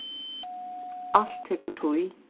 alt tekur tíð